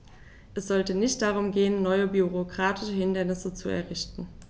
Es sollte nicht darum gehen, neue bürokratische Hindernisse zu errichten.